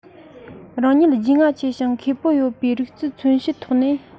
རང ཉིད རྒྱུས མངའ ཆེ ཞིང མཁས པོ ཡོད པའི རིག རྩལ མཚོན བྱེད ཐོག ནས